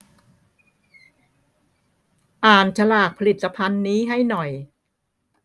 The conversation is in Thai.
อ่านฉลากผลิตภัณฑ์นี้ให้หน่อย